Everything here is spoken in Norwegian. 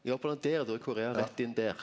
Japan er der då er Korea rett inn der.